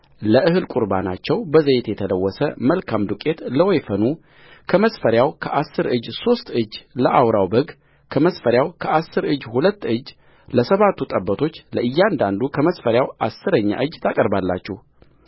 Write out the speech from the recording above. ለእህል ቍርባናቸው በዘይት የተለወሰ መልካም ዱቄት ለወይፈኑ ከመስፈሪያው ከአሥር እጅ ሦስት እጅ ለአውራው በግ ከመስፈሪያው ከአሥር እጅ ሁለት እጅለሰባቱ ጠቦቶች ለእያንዳንዱ ከመስፈሪያው አሥረኛ እጅ ታቀርባላችሁ